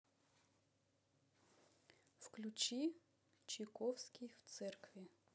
включи чайковский в церкви